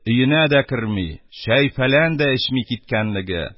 Өенә дә керми, чәй-фәлән дә эчми киткәнлеге,